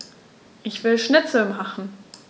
Ich will Schnitzel machen.